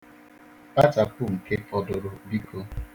Bachapu nke fọdụrụ biko.